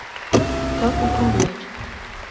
как управлять